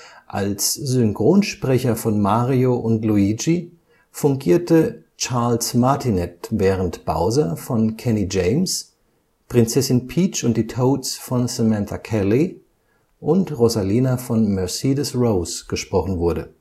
Als Synchronsprecher von Mario und Luigi fungierte Charles Martinet, während Bowser von Kenny James, Prinzessin Peach und die Toads von Samantha Kelly und Rosalina von Mercedes Rose gesprochen wurde